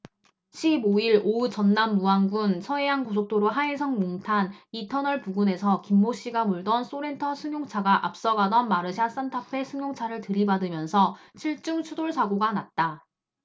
십 오 일 오후 전남 무안군 서해안고속도로 하행선 몽탄 이 터널 부근에서 김모씨가 몰던 쏘렌토 승용차가 앞서 가던 마르샤 싼타페 승용차를 들이받으면서 칠 중 추돌사고가 났다